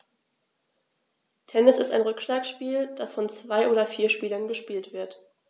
Tennis ist ein Rückschlagspiel, das von zwei oder vier Spielern gespielt wird.